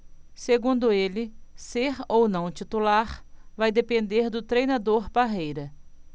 segundo ele ser ou não titular vai depender do treinador parreira